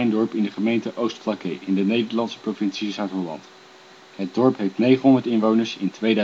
dorp in de gemeente Oostflakkee, in de Nederlandse provincie Zuid-Holland. Het dorp heeft 900 inwoners (2004